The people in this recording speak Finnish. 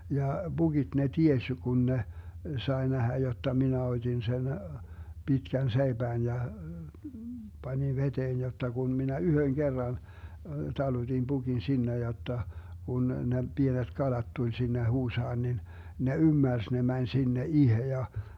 ja pukit ne tiesi jo kun ne sai nähdä jotta minä otin sen pitkän seipään ja panin veteen jotta kun minä yhden kerran talutin pukin sinne jotta kun ne pienet kalat tuli sinne huusaan niin ne ymmärsi ne meni sinne itse ja